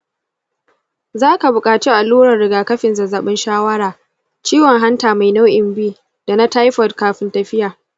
za ka buƙaci alluran rigakafin zazzabin shawara, ciwon hanta mai nau'in b, da na taifoid kafin tafiya.